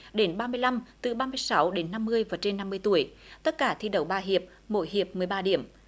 đến ba mươi lăm từ ba mươi sáu đến năm mươi và trên năm mươi tuổi tất cả thi đấu ba hiệp mỗi hiệp mười ba điểm